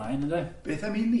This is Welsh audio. Mlaen ynde? Beth am i ni